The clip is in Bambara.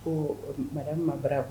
Koo, mara bɛna baara